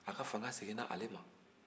a ka fanga seginna ale ma